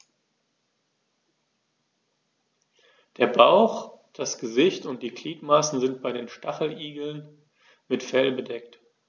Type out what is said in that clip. Der Bauch, das Gesicht und die Gliedmaßen sind bei den Stacheligeln mit Fell bedeckt.